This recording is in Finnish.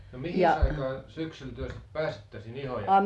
no mihinkäs aikaan syksyllä te sitten pääsitte sinne Ihojärvelle